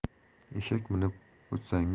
eshak minib o'tsangiz